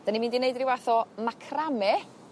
'dyn ni mynd i neud ryw fath o macrame